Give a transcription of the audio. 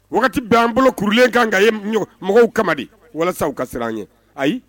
B anan bolo kurulen kan ka ye mɔgɔw kama di walasa ka siran an ye ayi